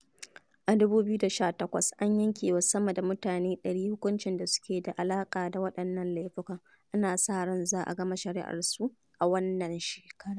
A 2018, an yanke wa sama da mutane ɗari hukuncin da suke da alaƙa da waɗannan laifukan. Ana sa ran za a gama shari'arsu a wannan shekarar.